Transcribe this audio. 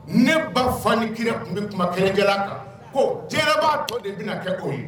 Ne ba fa ni kira tun bɛ kumakɛkɛla kan ko jinɛ' dɔ de di kɛ ko